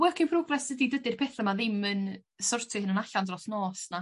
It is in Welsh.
...work in progress ydi? Dydi'r petha 'ma ddim yn sortio'u hunan allan dros nos 'na.